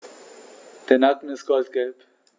Der Nacken ist goldgelb.